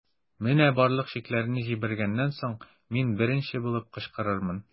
Менә барлык чикләрне җимергәннән соң, мин беренче булып кычкырырмын.